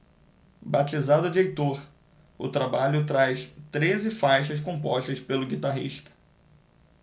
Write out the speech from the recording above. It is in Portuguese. batizado de heitor o trabalho traz treze faixas compostas pelo guitarrista